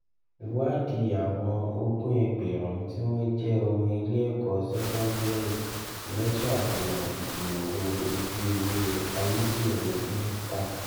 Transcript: Ìwádìí àwọn 20,000 tí wọ́n jẹ́ ọmọ ilé ẹ̀kọ́ sẹ́kọ́ńdírì ni ó ṣàfihàn ìgbòòrò ojú ewé ‘’ayédèrú insta’’